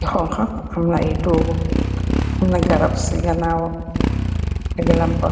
yu xonxa amna ay toogu amna garab ci ganaawa ag lampa.